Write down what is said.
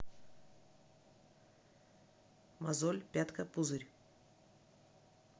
мозоль пятка пузырь